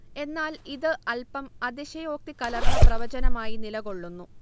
എന്നാൽ ഇത് അൽപം അതിശയോക്തി കലർന്ന പ്രവചനമായി നിലകൊള്ളൂന്നു